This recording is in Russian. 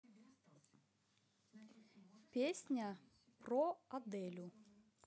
песня про аделю